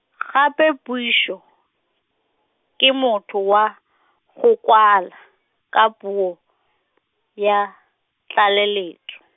gape puiso, ke motheo wa, go kwala, ka puo, ya, tlaleletso.